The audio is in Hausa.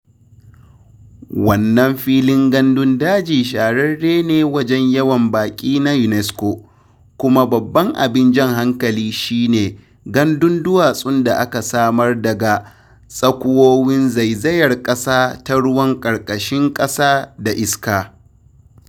Wannan filin gandun daji shahararre ne wajen yawan baƙi na UNESCO, kuma babban abin jan hankali shi ne gandun duwatsun da aka samar daga tsakuwowin zaizayar kasa ta ruwan karkashin ƙasa da iska.